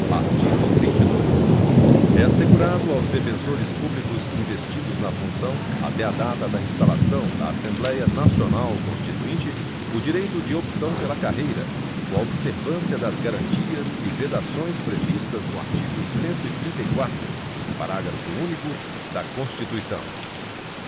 artigo vinte e dois é assegurado aos defensores públicos investidos na função até a data da instalação da assembléia nacional constituinte o direito de opção pela carreira com a observância das garantias e vedações previstas no artigo cento e trinta e quatro parágrafo único da constituição